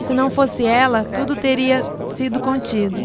se não fosse ela tudo teria sido contido